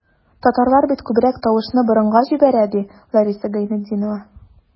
Татарлар бит күбрәк тавышны борынга җибәрә, ди Лариса Гайнетдинова.